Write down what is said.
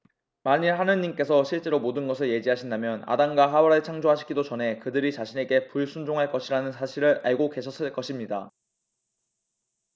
만일 하느님께서 실제로 모든 것을 예지하신다면 아담과 하와를 창조하시기도 전에 그들이 자신에게 불순종할 것이라는 사실을 알고 계셨을 것입니다